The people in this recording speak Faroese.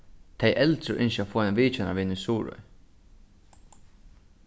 tey eldru ynskja at fáa ein vitjanarvin í suðuroy